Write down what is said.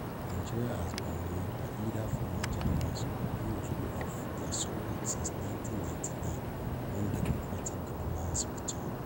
Nigeria has been ruled by either former generals or those who have their support since 1999 when democratic governance returned.